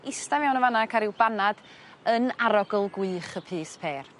Ista mewn yn fan 'na yn ca' ryw banad yn arogl gwych y pys pêr.